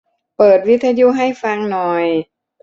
เปิดวิทยุให้ฟังหน่อย